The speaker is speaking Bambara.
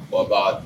Nba